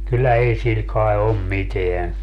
kyllä ei sillä kai ole mitään